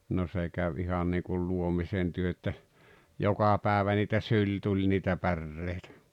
no se kävi ihan niin kuin luomisentyö että joka päivä niitä syli tuli niitä päreitä